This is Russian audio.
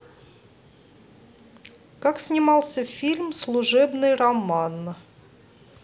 как снимался фильм служебный роман